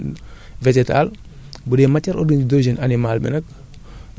xob bi wala ñax yii di trainer yépp mën na nekk matière organique :fa d' origine végétal